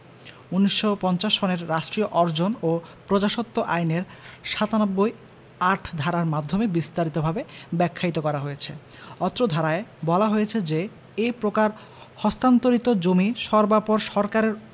১৯৫০ সনের রাষ্ট্রীয় অর্জন ও প্রজাস্বত্ব আইনের ৯৭ ৮ ধারার মাধ্যমে বিস্তারিতভাবে ব্যাখ্যায়িত করা হয়েছে অত্র ধারায় বলা হয়েছে যে এ প্রকার হস্তান্তরিত জমি সর্বাপর সরকারের